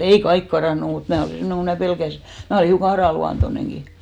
ei kaikki karannut mutta minä olin semmoinen kun minä pelkäsin minä olin hiukan aranluontoinenkin